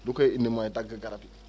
lu koy indi mooy dagg garab yi